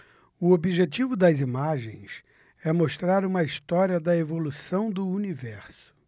o objetivo das imagens é mostrar uma história da evolução do universo